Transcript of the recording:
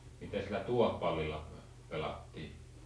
mitä sillä tuohipallilla pelattiin